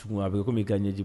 A bɛ ko min k' ɲɛ